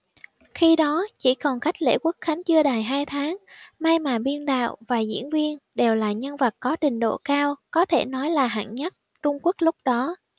khi đó chỉ còn cách lễ quốc khánh chưa đầy hai tháng may mà biên đạo và diễn viên đều là nhân vật có trình độ cao có thể nói là hạng nhất trung quốc lúc đó